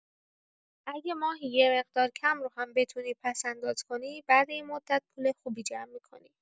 اگه ماهی یه مقدار کم رو هم بتونی پس‌انداز کنی، بعد یه مدت پول خوبی جمع می‌کنی.